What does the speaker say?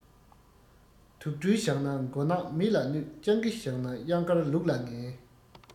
དུག སྦྲུལ བཞག ན མགོ ནག མི ལ གནོད སྤྱང ཀི བཞག ན གཡང དཀར ལུག ལ ངན